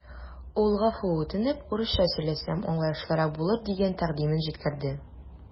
Ул гафу үтенеп, урысча сөйләсәм, аңлаешлырак булыр дигән тәкъдимен җиткерде.